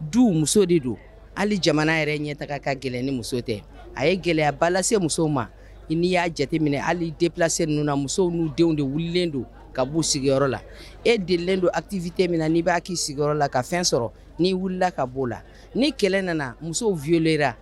Du muso de don hali jamana yɛrɛ ɲɛ taga ka gɛlɛn ni muso tɛ a ye gɛlɛya balala musow ma n'i y'a jateminɛ hali deplase ninnu musow n'u denw de wililen don ka uu sigiyɔrɔ la e delen don afiite min na'i b'akii sigiyɔrɔ la ka fɛn sɔrɔ ni wili wulilala ka bɔo la ni kɛlɛ nana musow vi